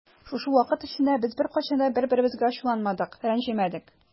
Шушы вакыт эчендә без беркайчан да бер-беребезгә ачуланмадык, рәнҗемәдек.